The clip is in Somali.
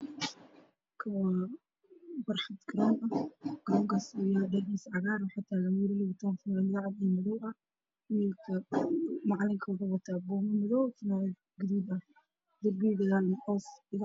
Halkaan waa barxad garoon ah roogiisa waa cagaar waxaa dhex taagan wiilal wato fanaanad cadaan iyo madow ah, wiilka macalin ka ah waxuu wataa buume madow iyo fanaanad gaduud ah, darbiga gadaalna cadaan.